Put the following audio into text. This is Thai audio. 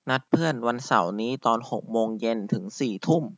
นัดเพื่อนวันเสาร์นี้ตอนหกโมงเย็นถึงสี่ทุ่ม